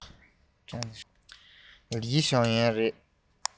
ལིའི ཞའོ ཡན རེད